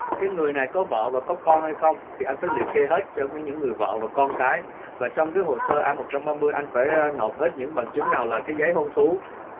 cái người này có vợ và có con hay không thì anh phải liệt kê hết cho cái những người vợ và con cái và trong cái hồ sơ ai một trăm ba mươi anh phải nộp hết những bằng chứng nào là cái giấy hôn thú